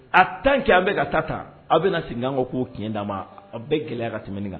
An tanke an bɛ ka taa tan aw bɛna segin kow tiyɛn d'an ma a bɛɛ gɛlɛya ka tɛmɛnni